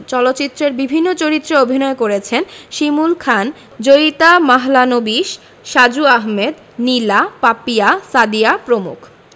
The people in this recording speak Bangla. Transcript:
চলচ্চিত্রের বিভিন্ন চরিত্রে অভিনয় করেছেন শিমুল খান জয়িতা মাহলানোবিশ সাজু আহমেদ নীলা পাপিয়া সাদিয়া প্রমুখ